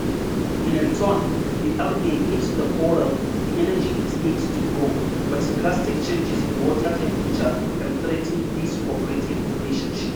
In return, the algae gives the coral the energy it needs to grow, but drastic changes in water temperature can threaten this cooperative relationship.